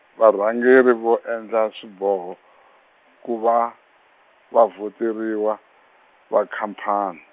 varhangeri vo endla swiboho, ku va, va vathoriwa, va khamphani.